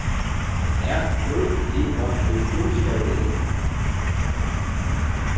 apur liva í frumskóginum